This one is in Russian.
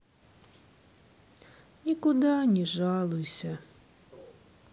никуда не жалуйся